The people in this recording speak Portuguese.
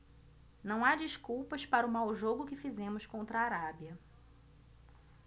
não há desculpas para o mau jogo que fizemos contra a arábia